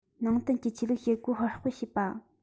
ནང བསྟན གྱི ཆོས ལུགས བྱེད སྒོ ཧུར སྤེལ བྱེད པ